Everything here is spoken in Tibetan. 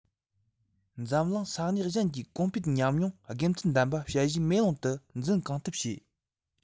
འཛམ གླིང ས གནས གཞན གྱི གོང སྤེལ གྱི ཉམས མྱོང དགེ མཚན ལྡན པ དཔྱད གཞིའི མེ ལོང དུ འཛིན གང ཐུབ བྱས